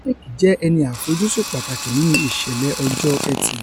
Flake jẹ́ ẹni àfojúsùn pàtàkì nínú ìṣẹ̀lẹ ọjọ́ Ẹtì.